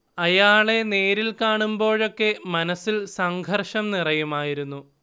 അയാളെ നേരിൽ കാണുമ്പോഴൊക്കെ മനസ്സിൽ സംഘര്‍ഷം നിറയുമായിരുന്നു